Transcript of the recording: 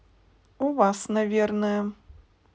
у вас наверное